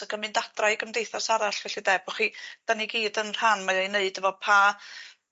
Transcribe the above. ac yn mynd adra i gymdeithas arall felly 'de bo' chi 'dyn ni gyd yn rhan 'ma o i wneud efo pa